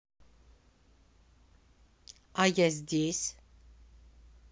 а я здесь